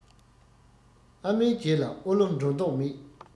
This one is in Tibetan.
ཨ མའི རྗེས ལ ཨོ ལོ འགྲོ མདོག མེད